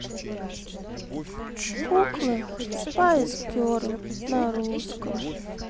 куклы спайс герл на русском